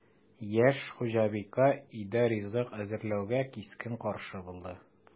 Яшь хуҗабикә өйдә ризык әзерләүгә кискен каршы булды: